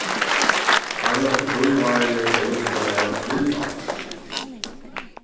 seinastu trý árini er nýtslan nærum tvífaldað